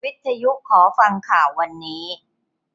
วิทยุขอฟังข่าววันนี้